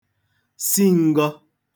si n̄gọ̄